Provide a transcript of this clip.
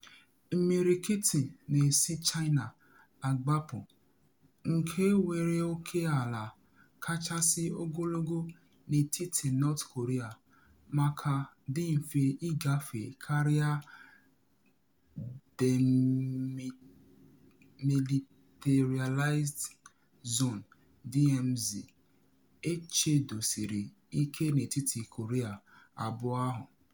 Imirikiti na esi China agbapụ, nke nwere oke ala kachasị ogologo n’etiti North Korea ma ka dị mfe ịgafe karịa Demilitarised Zone (DMZ) echedosiri ike n’etiti Korea abụọ ahụ.